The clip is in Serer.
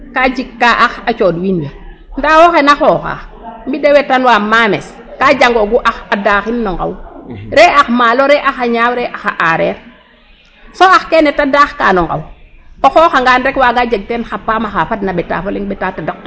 Kaa jikka ax a cooɗ wiin we ndaa wo fe naa xooxaa, mi' de wetandwam mames ka jangoogu ax a dagin no nqaw ree ax maalo, ree ax a ñaaw, ree ax a aareer .So ax kene ta daagka no nqaw o xooxangaan rek waaga jeg teen xa paam axa fadna ɓeta fo leŋ ɓeta tadaq.